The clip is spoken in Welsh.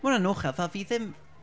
ma' hwnna'n anochel. Fel fi ddim...